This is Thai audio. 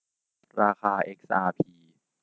ราคาเอ็กอาร์พี